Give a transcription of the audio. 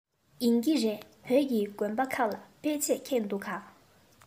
ཡིན གྱི རེད བོད ཀྱི དགོན པ ཁག ལ དཔེ ཆས ཁེངས འདུག ག